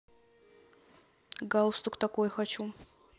галстук такой хочу